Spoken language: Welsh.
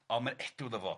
On' ma' edliw iddo fo.